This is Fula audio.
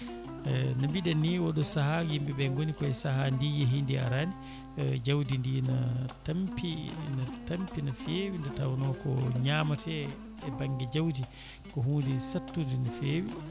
no miɗen ni oɗo saaha yimɓeɓe gooni koye saaha ndi yeeyi ndi arani jawdi ndi ne tampi ne tampi no fewi nde tawno ko ñaamate e banggue jawdi ko hunde sattude no fewi